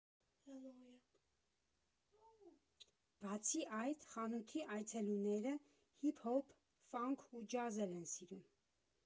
Բացի այդ, խանութի այցելուները հիփ֊հոփ, ֆանք ու ջազ էլ են սիրում։